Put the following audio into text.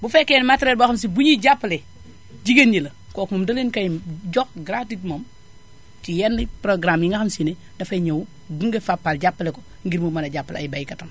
bu fekkee matériels boo xam si ne buñuy jàppale jigéen ñi la kooku moom da leen koy jox gratuite moom si yenn programmes yi nga xam si ne dafay ñëw gunge Fapal jàppale ko ngir mu mën a jàppale ay baykatam